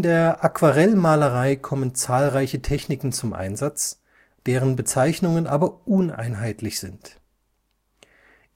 der Aquarellmalerei kommen zahlreiche Techniken zum Einsatz, deren Bezeichnungen aber uneinheitlich sind.